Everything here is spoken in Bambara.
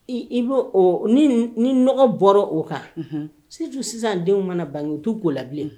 I i b'o o ni nɔgɔ bɔr'o kan, unhun, surtout sisan denw mana bange u t'u kola bilen